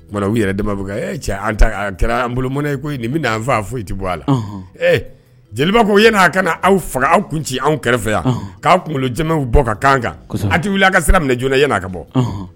Kumana u yɛrɛ damab'u ka ee cɛ an ta k aa kɛra an bolo mɔnɛ ye koyi nin bina'an faa foyi ti bɔ a la ɔnhɔn ee jeliba ko yan'a a kana aw faga aw kun ci anw kɛrɛfɛ yan ɔnhɔn k'aw kunkolojɛmɛw bɔ ka k'an kan kɔsɔbɛ a ti wili a ka sira minɛ joona ɲɛna a ka bɔ ɔnhɔn